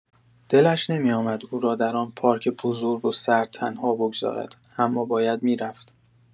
دلش نمی‌آمد او را در آن پارک بزرگ و سرد تنها بگذارد، اما باید می‌رفت.